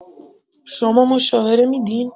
شما مشاوره می‌دین؟